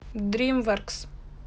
дримворкс